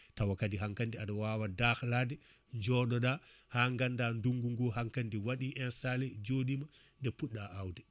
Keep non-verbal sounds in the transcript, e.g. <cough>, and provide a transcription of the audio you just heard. tawa kadi hankkadi aɗa wawa daahlade <breath> joɗoɗa ha ganda nduggu gu hankkandi waɗi inssallé joɗima nde puɗɗa awde